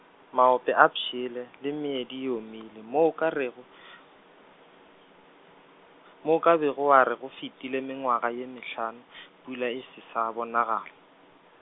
maope a pšhele, le meedi e omile mo o ka rego , moo o ka bego wa re go fetile mengwaga ye mehlano , pula e se sa bonagala.